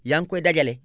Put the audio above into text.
yaa ngi koy dajale